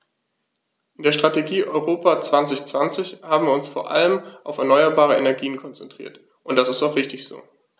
In der Strategie Europa 2020 haben wir uns vor allem auf erneuerbare Energien konzentriert, und das ist auch richtig so.